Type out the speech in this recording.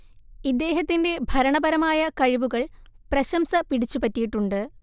ഇദ്ദേഹത്തിന്റെ ഭരണപരമായ കഴിവുകൾ പ്രശംസ പിടിച്ചുപറ്റിയിട്ടുണ്ട്